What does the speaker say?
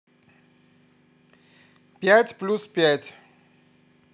пять плюс пять